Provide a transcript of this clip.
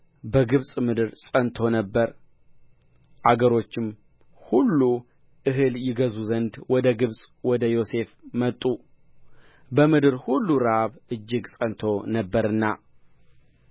በግብፅ ምድር ጸንቶ ነበር አገሮችም ሁሉ እህል ይገዙ ዘንድ ወደ ግብፅ ወደ ዮሴፍ መጡ በምድር ሁሉ ራብ እጅግ ጸንቶ ነበርና